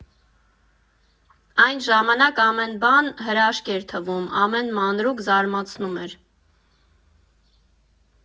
Այն ժամանակ ամեն բան հրաշք էր թվում, ամեն մանրուք զարմացնում էր։